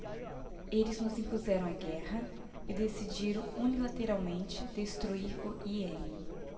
eles nos impuseram a guerra e decidiram unilateralmente destruir o iêmen